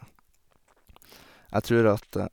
Jeg trur at...